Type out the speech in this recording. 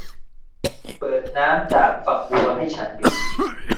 เปิดน้ำจากฝักบัวให้ฉันเดี๋ยวนี้